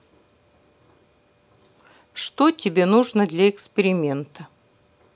что тебе нужно для эксперимента